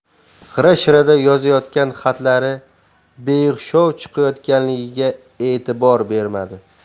g'ira shirada yozayotgan xatlari beo'xshov chiqayotganligiga e'tibor bermadi